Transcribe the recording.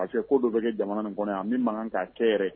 Parce que ko dɔ bɛ kɛ jamana in kɔnɔ yan mun man kan kɛ yɛrɛ